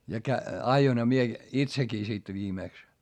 ja - ajoinhan minä itsekin sitten viimeksi